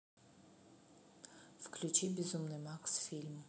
включи безумный макс фильм